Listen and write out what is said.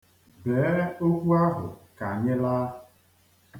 Bee okwu ahụ ka anyị laa.